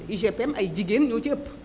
UGPM ay jigéen ñoo ca ëpp